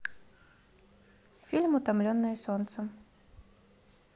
фильм утомленные солнцем